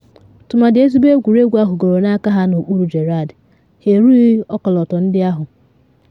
Tụmadị ezigbo egwuregwu ahụgoro n’aka ha n’okpuru Gerrard, ha erughi ọkọlọtọ ndị ahụ.